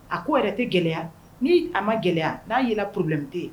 A ko yɛrɛ te gɛlɛya ni a ma gɛlɛya n'a yera problème te ye